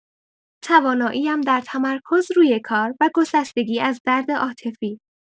توانایی‌ام در تمرکز روی کار و گسستگی از درد عاطفی